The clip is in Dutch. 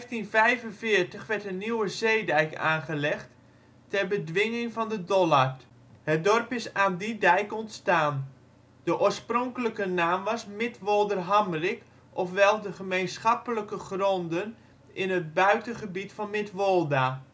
In 1545 werd een nieuwe zeedijk aangelegd ter bedwinging van de Dollard. Het dorp is aan die dijk ontstaan. De oorspronkelijke naam was Midwolderhamrik, ofwel de gemeenschappelijke gronden in het buitengebied van Midwolda